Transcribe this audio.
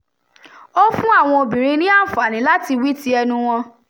Ó fún àwọn obìnrin ní àǹfààní láti wí ti ẹnu wọn.